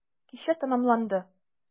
Кичә тәмамланды.